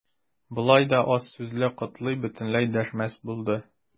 Болай да аз сүзле Котлый бөтенләй дәшмәс булды.